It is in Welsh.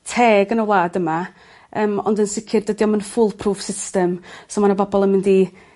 teg yn y wlad yma ond yn sicir dydi o'm yn fool proof system so ma' 'na bobol yn mynd i